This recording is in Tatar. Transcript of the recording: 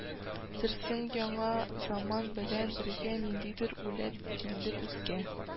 Терсең яңа заман белән бергә ниндидер үләт килде безгә